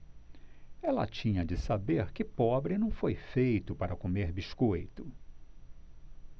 ela tinha de saber que pobre não foi feito para comer biscoito